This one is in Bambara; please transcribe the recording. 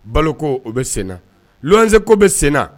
Balo u bɛ senna seko bɛ senna